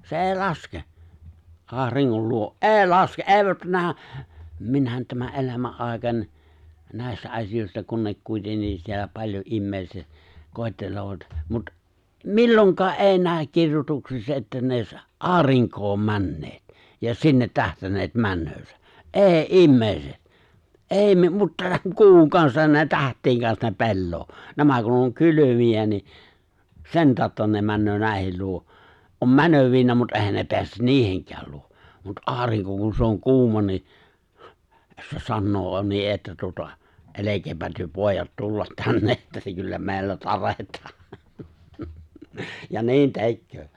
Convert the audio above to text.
se ei laske auringon luo ei laske ei nähdä minäkin tämän elämän aikani näistä asioista kun ne kuitenkin siellä paljon ihmiset koettelevat mutta milloinkaan ei näe kirjoituksissa että ne olisi aurinkoon menneet ja sinne tähdänneet menoansa ei ihmiset ei - mutta kuun kansan ne tähtien kanssa ne pelaa nämä kun on kylmiä niin sen tautta ne menee näiden luo on menevinään mutta eihän ne pääse niidenkään luo mutta aurinko kun se on kuuma niin se sanoo - niin että tuota älkää te pojat tulla tänne että kyllä meillä tarjetaan ja niin tekee